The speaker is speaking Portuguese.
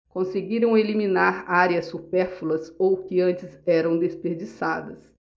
conseguiram eliminar áreas supérfluas ou que antes eram desperdiçadas